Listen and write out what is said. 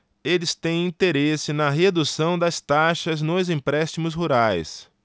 eles têm interesse na redução das taxas nos empréstimos rurais